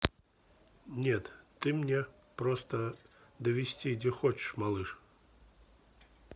нет ты мне просто довести где хочешь малыш